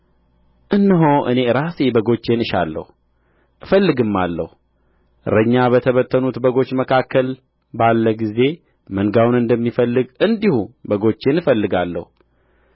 እነሆ እኔ ራሴ በጎቼን እሻለሁ እፈልግማለሁ እረኛ በተበተኑት በጎች መካከል ባለ ጊዜ መንጋውን እንደሚፈልግ እንዲሁ በጎቼን እፈልጋለሁ